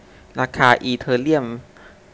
ราคาอีเธอเรียม